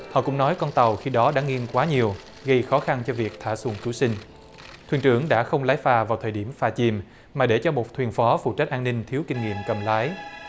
họ cũng nói con tàu khi đó đã nghiêng quá nhiều gây khó khăn cho việc thả xuồng cứu sinh thuyền trưởng đã không lái phà vào thời điểm phà chìm mà để cho một thuyền phó phụ trách an ninh thiếu kinh nghiệm cầm lái